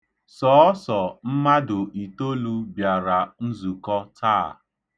Sọọsọ mmadụ itolu bịara nzukọ taa.